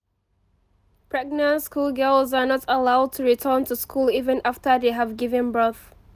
Pregnant schoolgirls are not allowed to return to school even after they have given birth.